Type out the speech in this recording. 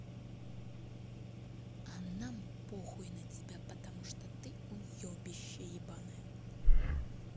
а нам похуй на тебя потому что ты уебище ебаное